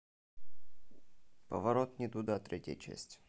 поворот не туда третья часть